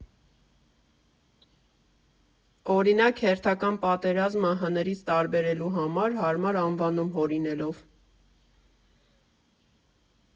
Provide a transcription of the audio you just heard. Օրինակ՝ հերթական պատերազմը հներից տարբերելու համար հարմար անվանում հորինելով։